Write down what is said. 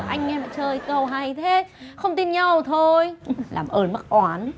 anh em chơi câu hay thế không tin nhau thì thôi làm ơn mắc oán